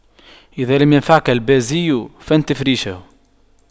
إذا لم ينفعك البازي فانتف ريشه